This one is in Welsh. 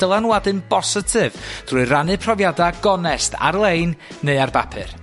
dylanwadu'n bositif drwy rannu profiada' gonest ar-lein neu ar bapur,